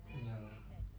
joo